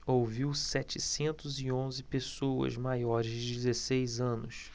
ouviu setecentos e onze pessoas maiores de dezesseis anos